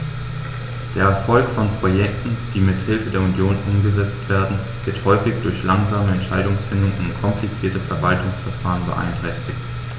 Der Erfolg von Projekten, die mit Hilfe der Union umgesetzt werden, wird häufig durch langsame Entscheidungsfindung und komplizierte Verwaltungsverfahren beeinträchtigt.